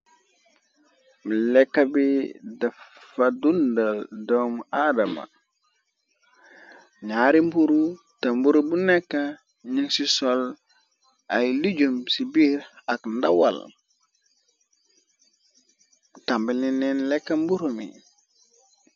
Lekka bi dafa dundal doomu aadama nyaari mburu te mburu bu nekka ñying ci sol ay lijum ci biir ak ndawal tambaleneen lekka mbura mi.